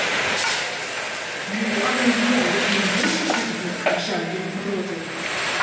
ну ладно я если не можешь ответить не отвечай я не против